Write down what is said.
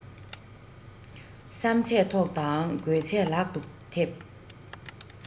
བསམ ཚད ཐོག དང དགོས ཚད ལག ཏུ ཐེབས